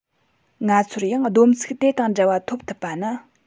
ང ཚོར ཡང བསྡོམས ཚིག དེ དང འདྲ བ ཐོབ ཐུབ པ ནི